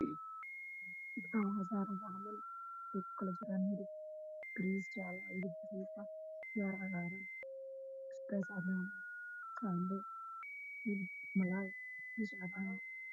Waa saxan cadaan waxaa ku jiro khudaar hilib kalluun ah waxaa kaloo ogyahay u qaado